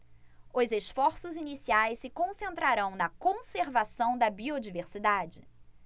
os esforços iniciais se concentrarão na conservação da biodiversidade